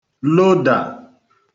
lodà